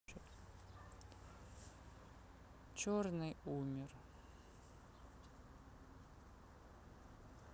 черный умер